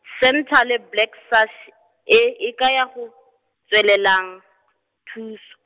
Centre le Black Sash, e e kaya go tswelelang, thuso.